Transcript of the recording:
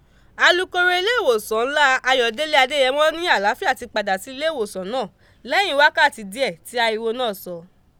Alukoro ilé ìwòsàn ńlá Ayọ̀délé Adéyẹmọ ní àláfíà ti padà sí ilé ìwòsàn náà lẹ́yìn wákàtí díẹ̀ tí ariwo náà sọ.